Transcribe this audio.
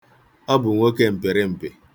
Ọ bụ nwoke mpịrịmpị.